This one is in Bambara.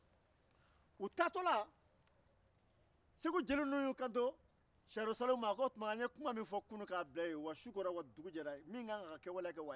ko i bɛ a ka furu tiɲɛ ni ma kɔlɔsi dɔrɔn nimɔgɔnimusofitini o bɛ kɛ nimɔgɔmusokɔrɔba ka furula fɲɛ ye